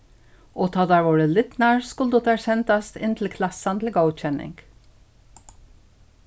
og tá tær vóru lidnar skuldu tær sendast inn til klassan til góðkenning